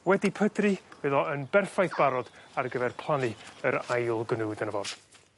wedi pydru, fydd o yn berffaith barod ar gyfer plannu yr ail gnwd ynno fo.